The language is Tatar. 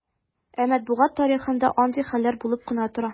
Ә матбугат тарихында андый хәлләр булып кына тора.